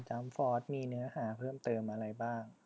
เกมจั้มฟอสมีเนื้อหาเพิ่มเติมอะไรบ้าง